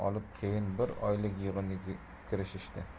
olib keyin bir oylik yig'inga kirishdi